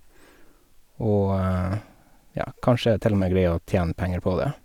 Og, ja, kanskje til og med greie å tjene penger på det.